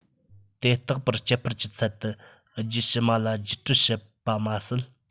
དེ རྟག པར བསྐྱེད འཕར གྱི ཚད དུ རྒྱུད ཕྱི མ ལ བརྒྱུད སྤྲོད བྱེད པ མ ཟད